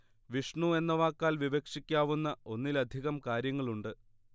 വിഷ്ണു എന്ന വാക്കാൽ വിവക്ഷിക്കാവുന്ന ഒന്നിലധികം കാര്യങ്ങളുണ്ട്